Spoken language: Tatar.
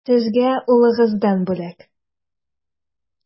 Сезгә улыгыздан бүләк.